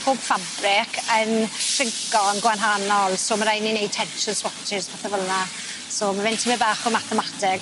Pob ffabric yn shrinco yn gwanhanol so ma' raid ni neud tension swatches pethe fel 'na so ma' fe'n tymed bach o mathemateg.